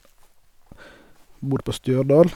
Bor på Stjørdal.